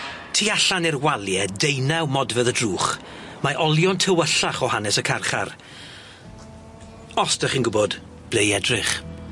Tu allan i'r walie deunaw modfedd y drwch, mae olion tywyllach o hanes y carchar os 'dych chi'n gwbod ble i edrych.